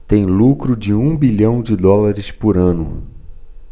tem lucro de um bilhão de dólares por ano